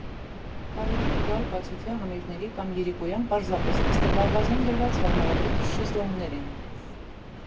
Կարելի է գալ բացօթյա համերգների կամ երեկոյան պարզապես նստել ավազին դրված հարմարավետ շեզլոնգներին։